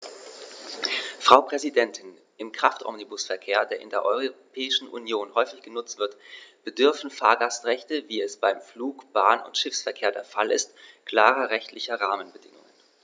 Frau Präsidentin, im Kraftomnibusverkehr, der in der Europäischen Union häufig genutzt wird, bedürfen Fahrgastrechte, wie es beim Flug-, Bahn- und Schiffsverkehr der Fall ist, klarer rechtlicher Rahmenbedingungen.